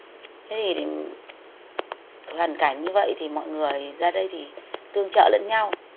thế thì hoàn cảnh như vậy thì mọi người ra đây thì tương trợ lẫn nhau